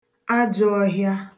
ajọ̄ọhịa